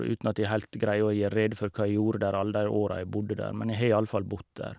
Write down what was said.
Uten at jeg helt greier å gjøre rede for hva jeg gjorde der alle de åra jeg bodde der, men jeg har i alle fall bodd der.